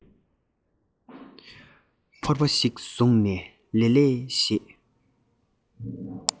ཕོར པ ཞིག བཟུང ནས ལི ལི ཞེས